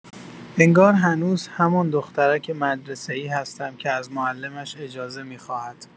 انگار هنوز همان دخترک مدرسه‌ای هستم که از معلمش اجازه می‌خواهد.